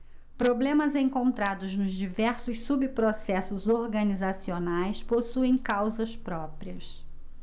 problemas encontrados nos diversos subprocessos organizacionais possuem causas próprias